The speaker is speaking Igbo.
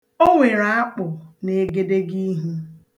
O nwere akpụ n'egedegeihu.